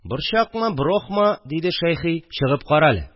– борчакмы, борычмы, – диде шәйхи, – чыгып кара әле